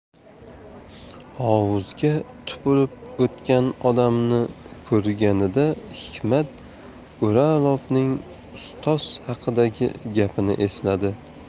hovuzga tupurib o'tgan odamni ko'rganida hikmat o'rolovning ustoz haqidagi gapini esladi